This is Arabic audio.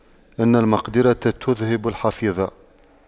إن المقْدِرة تُذْهِبَ الحفيظة